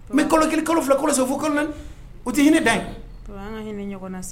Mɛ bɛ kalo kolokili kalo fila kolo segu fo kɔnɔna u tɛ ɲinin dan an ka hinɛ ɲɔgɔn na sisan